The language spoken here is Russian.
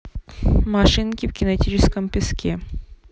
машинки в кинетическом песке